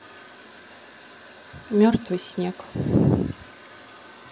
мертвый снег